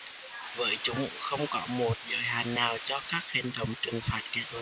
với chúng không có một giới hạn nào cho các hành động trừng phạt kẻ thù